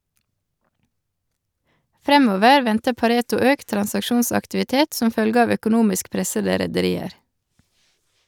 Fremover venter Pareto økt transaksjonsaktivitet som følge av økonomisk pressede rederier.